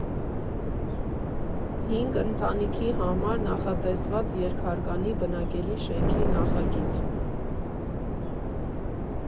Հինգ ընտանիքի համար նախատեսված երկհարկանի բնակելի շենքի նախագիծ։